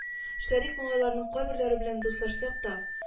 Шәрик малайларның кайберләре белән дуслашсак та